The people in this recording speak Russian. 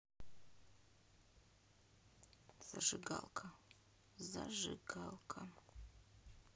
зажигалка зажигалка